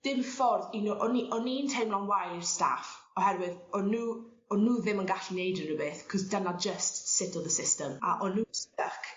dim ffordd i n'w o'n i o'n i'n teimlo'n wael i'r staff oherwydd o' n'w o'n nw ddim yn gallu neud unrywbeth 'c'os dyna jyst sut o'dd y system a o' nw'n styc